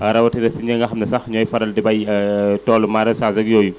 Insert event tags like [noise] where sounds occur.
rawatina si ~i nga xam ni sax ñooy faral di béy [hesitation] toolu maraîchage ak yooyu